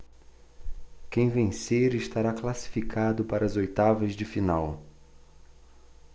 quem vencer estará classificado para as oitavas de final